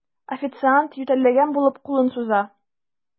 Официант, ютәлләгән булып, кулын суза.